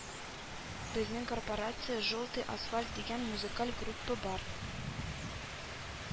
Безнең корпорация Желтый асфальт дигән музыкаль группа бар